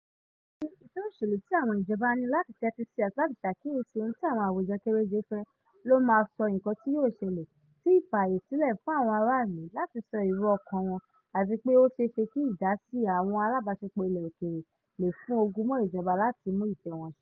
Dájúdájú ìfẹ́ òṣèlú tí àwọn ìjọba ní láti tẹ́tí sí àti láti ṣàkíyèsí ohun tí àwọn àwùjọ kéréjé fẹ́ ló má sọ nnkan tí yóò ṣẹlẹ̀, tí ìfààyè sílẹ̀ fún àwọn aráàlú láti sọ èrò ọkàn wọn àti pé ó ṣeé ṣe kí ìdásí àwọn àlábáṣepọ̀ ilẹ̀ òkèèrè lè fún ogún mọ́ ijoba láti mú ìfẹ́ wọn ṣẹ.